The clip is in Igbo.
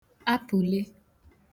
apụ̀le